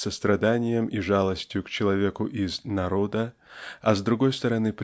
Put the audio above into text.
состраданием и жалостью к человеку из "народа" а с другой стороны